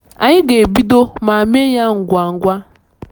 Anyị ga-ebido, ma mee ya ngwangwa.